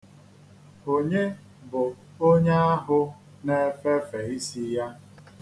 Onye bụ onye ahụ na-efefe isi ya?